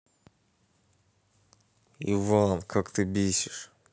иван как ты бесишь